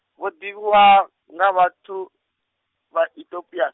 vho ḓivhiwa, nga vhathu, vha Itopia.